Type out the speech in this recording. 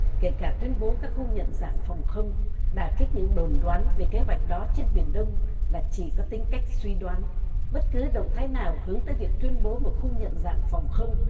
kể cả tuyên bố các khu nhận dạng phòng không đả kích những đồn đoán về kế hoạch đó trên biển đông và chỉ có tính cách suy đoán bất cứ động thái nào hướng tới việc tuyên bố một khu nhận dạng phòng không